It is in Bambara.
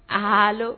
Allo